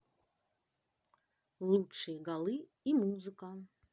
лучшие голы и музыка